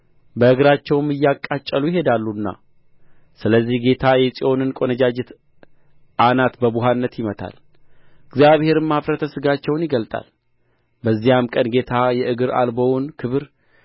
በእግራቸውም እያቃጨሉ ይሄዳሉና ስለዚህ ጌታ የጽዮንን ቈነጃጅት አናት በቡሀነት ይመታል እግዚአብሔርም ኀፍረተ ሥጋቸውን ይገልጣል በዚያም ቀን ጌታ የእግር አልቦውን ክብር